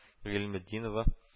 Гыйльметдинова